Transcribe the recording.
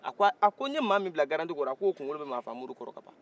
a ko a a ko n ye maa min bila garanti kɔrɔ a k'o kunkolo bɛ maafaamuru kɔrɔ kaban